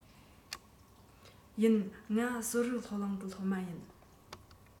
ཡིན ང གསོ རིག སློབ གླིང གི སློབ མ ཡིན